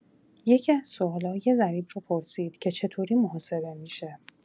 یکی‌از سوالا یه ضریب رو پرسید که چطوری محاسبه می‌شه